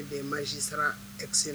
Masi sara sen